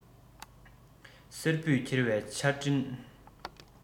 བསེར བུས འཁྱེར བའི ཆར སྤྲིན